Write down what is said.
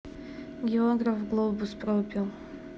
географ глобус пропил